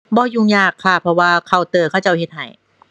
บ่ยุ่งยากค่ะ เพราะว่าเคาน์เตอร์เขาเจ้าเฮ็ดให้